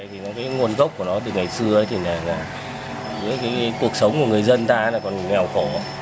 thì nguồn gốc của nó từ ngày xưa ấy thì là là cái cuộc sống của người dân ta còn nghèo khổ